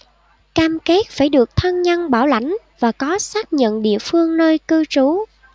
cam kết phải được thân nhân bảo lãnh và có xác nhận địa phương nơi cư trú